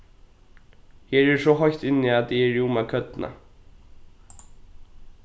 her er so heitt inni at eg eri um at kódna